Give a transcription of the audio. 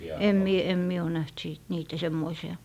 en minä en minä ole nähnyt sitten niitä semmoisia